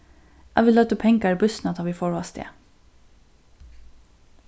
at vit løgdu pengar í bússuna tá ið vit fóru avstað